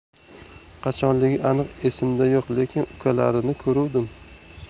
qachonligi aniq esimda yo'q lekin ukalarini ko'ruvdim